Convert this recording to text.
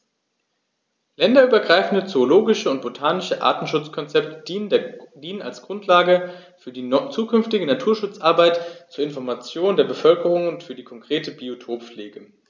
Länderübergreifende zoologische und botanische Artenschutzkonzepte dienen als Grundlage für die zukünftige Naturschutzarbeit, zur Information der Bevölkerung und für die konkrete Biotoppflege.